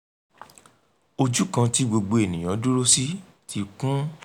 Ojú kan tí gbogbo ènìyàn dúró sí ti kún.